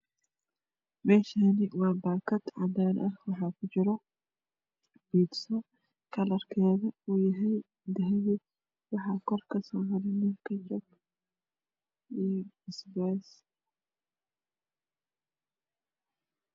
Meshani waa bakad cadan ah waxkujiro bisso kalarkedu oow yahay dahbi waxa korka kaseran kajab io basbes